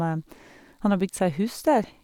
Han har bygd seg hus der.